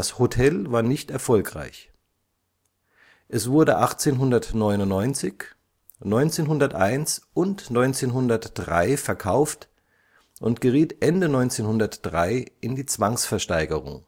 Hotel war nicht erfolgreich. Es wurde 1899, 1901 und 1903 verkauft und geriet Ende 1903 in die Zwangsversteigerung